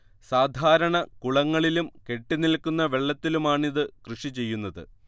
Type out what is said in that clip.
സാധാരണ കുളങ്ങളിലും കെട്ടിനിൽക്കുന്ന വെള്ളത്തിലുമാണിത് കൃഷി ചെയ്യുന്നത്